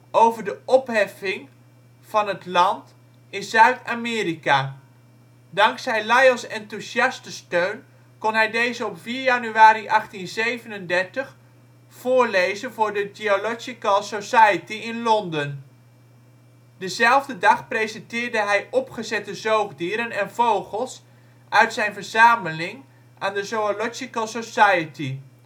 over de opheffing van het land in Zuid-Amerika. Dankzij Lyells enthousiaste steun kon hij deze op 4 januari 1837 voorlezen voor de Geological Society in Londen. Dezelfde dag presenteerde hij opgezette zoogdieren en vogels uit zijn verzameling aan de Zoological Society. De ornitholoog